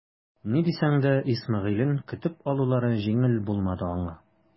Ни дисәң дә Исмәгыйлен көтеп алулары җиңел булмады аңа.